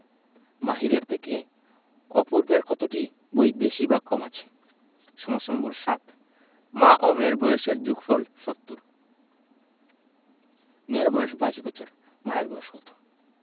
মাহিরের থেকে অপূর্বের কতোটি বই বেশি বা কম আছে সমস্যা নম্বর ৭ মা ও মেয়ের বয়সের যোগফল ৭০ মেয়ের বয়স ২২ বছর মায়ের বয়স কত